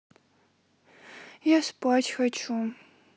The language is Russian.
я спать хочу